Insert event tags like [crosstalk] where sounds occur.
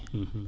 [hesitation] [hesitation]